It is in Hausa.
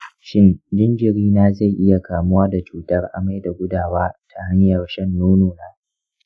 shin jinjirina zai iya kamuwa da cutar amai da gudawa ta hanyar shan nonona?